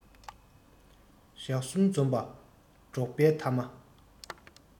ཞག གསུམ འཛོམས པ འགྲོགས པའི ཐ མ